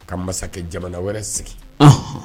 U ka masakɛ jamana wɛrɛ sigi